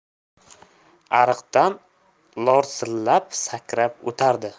ariqdan lorsillab sakrab o'tardi